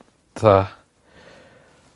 fatha